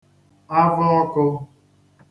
avọọkụ̄